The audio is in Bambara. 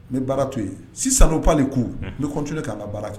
Ni baara to yen, unhun si ça ne vaut pas le coup an bɛ continuer k'an ka baara kɛ.